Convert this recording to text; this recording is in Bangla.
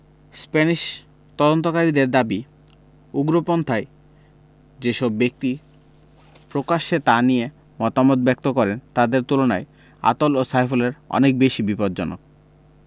স্প্যানিশ তদন্তকারীদের দাবি উগ্রপন্থায় যেসব ব্যক্তি প্রকাশ্যে তা নিয়ে মতামত ব্যক্ত করেন তাদের তুলনায় আতাউল ও সাইফুল অনেক বেশি বিপজ্জনক